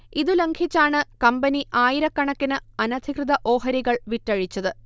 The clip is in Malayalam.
ഇതു ലംഘിച്ചാണ് കമ്പനി ആയിരക്കണക്കിന് അനധികൃത ഓഹരികൾ വിറ്റഴിച്ചത്